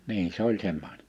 niin se oli semmoinen